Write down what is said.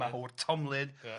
mawr tomlyd